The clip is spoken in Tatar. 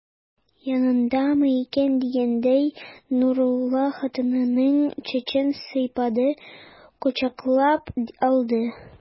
Янымдамы икән дигәндәй, Нурулла хатынының чәчен сыйпады, кочаклап алды.